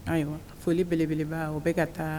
Ayiwa foli bele o bɛ ka taa